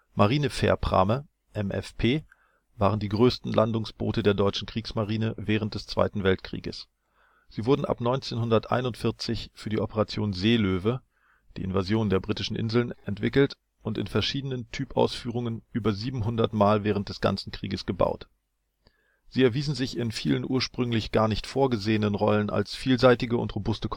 Marinefährprahme (MFP) waren die größten Landungsboote der deutschen Kriegsmarine während des Zweiten Weltkrieges. Sie wurden ab 1941 für die Operation Seelöwe (Invasion der britischen Inseln) entwickelt und in verschiedenen Typausführungen über 700 Mal während des ganzen Krieges gebaut. Sie erwiesen sich in vielen ursprünglich gar nicht vorgesehenen Rollen als vielseitige und robuste